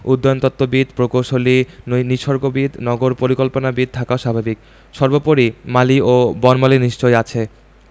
উদ্যানতত্ত্ববিদ প্রকৌশলী নিসর্গবিদ নগর পরিকল্পনাবিদ থাকাও স্বাভাবিক সর্বোপরি মালি ও বনমালী নিশ্চয়ই আছে